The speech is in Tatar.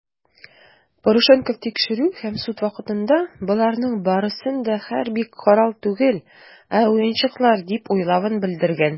Парушенков тикшерү һәм суд вакытында, боларның барысын да хәрби корал түгел, ә уенчыклар дип уйлавын белдергән.